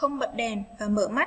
không bật đèn mở mở